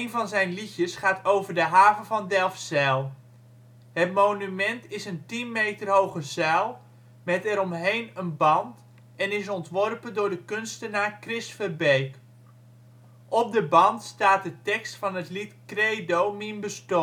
van zijn liedjes gaat over de haven van Delfzijl. Het monument is een 10 meter hoge zuil met eromheen een band en is ontworpen door de kunstenaar Chris Verbeek. Op de band staat de tekst van het lied " Credo - Mien bestoan " van